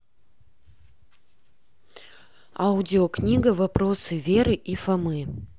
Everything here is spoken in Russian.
аудиокнига вопросы веры и фомы